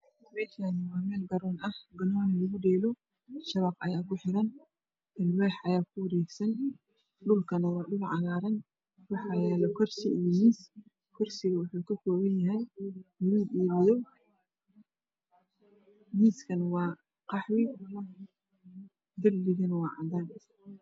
Meeshan waa meel garoon ah banooni lagu dheelo mushabac ayaa kuxiran galmaax ayaa ku wareegsan dhulkana waa dhul cagaaran waxaa yaalo gurisi iyo miis gursigu wuxuu kakooba yahay bulug io madow miiskana waa qaxwi darbigu waa cadaan